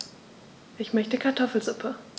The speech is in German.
Ich möchte Kartoffelsuppe.